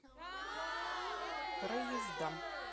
проезда